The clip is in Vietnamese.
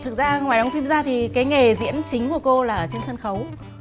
thực ra ngoài đóng phim ra thì cái nghề diễn chính của cô là ở trên sân khấu